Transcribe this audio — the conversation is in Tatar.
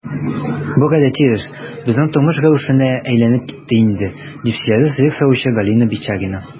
Бу гадәти эш, безнең тормыш рәвешенә әйләнеп китте инде, - дип сөйләде сыер савучы Галина Бичарина.